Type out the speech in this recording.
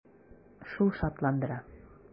Шул шатландыра.